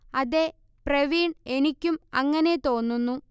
അതേ പ്രവീൺ എനിക്കും അങ്ങനെ തോന്നുന്നു